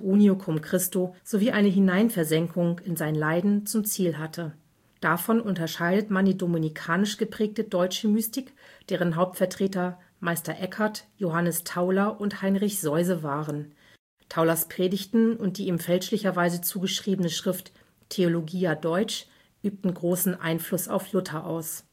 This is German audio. unio cum Christo) sowie eine Hineinversenkung in sein Leiden zum Ziel hatte. Davon unterscheidet man die dominikanisch geprägte deutsche Mystik, deren Hauptvertreter Meister Eckhart, Johannes Tauler und Heinrich Seuse waren. Taulers Predigten und die ihm fälschlicherweise zugeschriebene Schrift Theologia deutsch übten großen Einfluss auf Luther aus